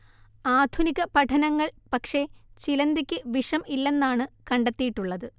ആധുനിക പഠനങ്ങൾ പക്ഷേ ചിലന്തിക്ക് വിഷം ഇല്ലെന്നാണ് കണ്ടെത്തിയിട്ടുള്ളത്